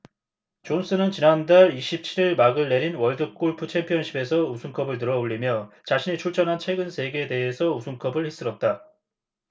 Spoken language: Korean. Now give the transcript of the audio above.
존슨은 지난달 이십 칠 일 막을 내린 월드골프챔피언십에서 우승컵을 들어 올리며 자신이 출전한 최근 세 개 대회에서 우승컵을 휩쓸었다